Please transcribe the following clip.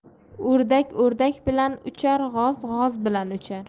o'rdak o'rdak bilan uchar g'oz g'oz bilan uchar